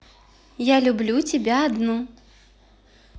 я люблю тебя одну